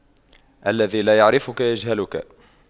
الذي لا يعرفك يجهلك